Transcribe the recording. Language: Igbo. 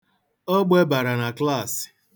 O gbebara na klaasị.